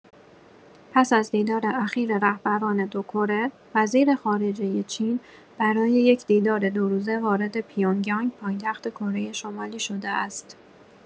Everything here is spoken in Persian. پس از دیدار اخیر رهبران دو کره، وزیرخارجه چین برای یک دیدار دوروزه وارد پیونگ‌یانگ، پایتخت کره‌شمالی شده است.